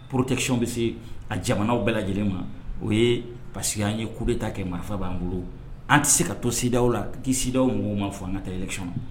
Porotekicyɔn bɛ se a jamanaw bɛɛ lajɛlen ma o ye pasi an ye ku bɛ ta kɛ marifa b'an bolo an tɛ se ka to sidaw la k'i siw mɔgɔw ma fɔ an ka taa i yɛlɛc